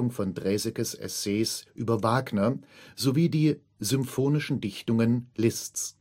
von Draesekes Essays über Wagner, sowie die Symphonischen Dichtungen Liszts